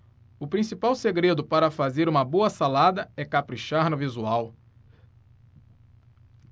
o principal segredo para fazer uma boa salada é caprichar no visual